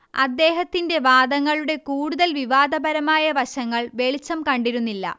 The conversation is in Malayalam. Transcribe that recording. അദ്ദേഹത്തിന്റെ വാദങ്ങളുടെ കൂടുതൽ വിവാദപരമായ വശങ്ങൾ വെളിച്ചം കണ്ടിരുന്നില്ല